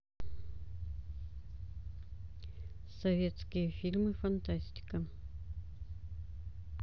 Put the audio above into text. советские фильмы фантастика